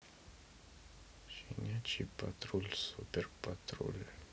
щкнячий патруль супер патруль